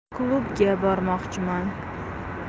klubga bormoqchiman